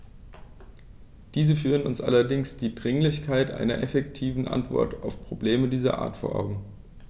Diese führen uns allerdings die Dringlichkeit einer effektiven Antwort auf Probleme dieser Art vor Augen.